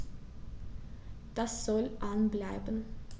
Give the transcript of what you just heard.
Das soll an bleiben.